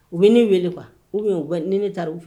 U bɛ ne weele kuwa u ni ne taara u fɛ